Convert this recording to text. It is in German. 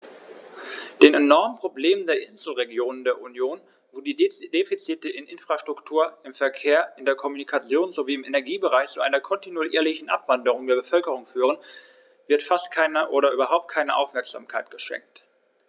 Den enormen Problemen der Inselregionen der Union, wo die Defizite in der Infrastruktur, im Verkehr, in der Kommunikation sowie im Energiebereich zu einer kontinuierlichen Abwanderung der Bevölkerung führen, wird fast keine oder überhaupt keine Aufmerksamkeit geschenkt.